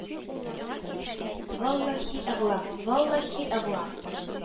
-валлаһи әгълам, валлаһи әгълам.